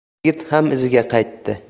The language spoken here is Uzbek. yigit ham iziga qaytdi